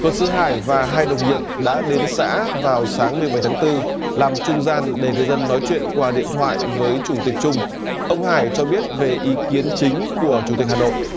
luật sư hải và hai đồng nghiệp đã đến xã vào sáng mười bảy tháng tư làm trung gian để người dân nói chuyện qua điện thoại với chủ tịch chung ông hải cho biết về ý kiến chính của chủ tịch hà nội